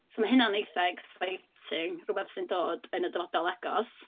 So ma' hynna'n eitha' exciting, rywbeth sy'n dod yn y dyfodol agos.